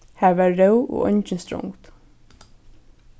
har var ró og eingin strongd